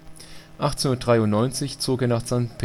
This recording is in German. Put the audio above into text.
1893 zog er nach Sankt Petersburg